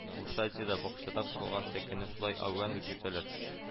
—урта азиядә бакчада корылган сәкене шулай айван дип йөртәләр